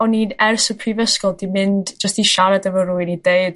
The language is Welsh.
o'n i'n ers y prifysgol 'di mynd jyst i siarad efo rywun i deud